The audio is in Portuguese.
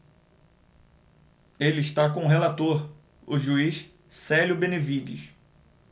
ele está com o relator o juiz célio benevides